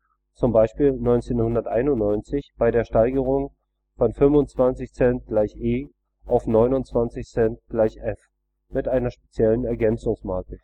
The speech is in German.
z.B. 1991 bei der Steigerung von 25c = E auf 29c = F mit einer speziellen Ergänzungsmarke